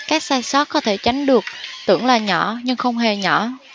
các sai sót có thể tránh được tưởng là nhỏ nhưng không hề nhỏ